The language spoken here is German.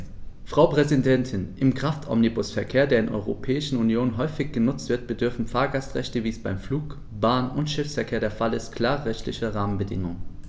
Frau Präsidentin, im Kraftomnibusverkehr, der in der Europäischen Union häufig genutzt wird, bedürfen Fahrgastrechte, wie es beim Flug-, Bahn- und Schiffsverkehr der Fall ist, klarer rechtlicher Rahmenbedingungen.